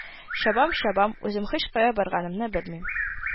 Ча-бам-чабам, үзем һичкая барганымны белмим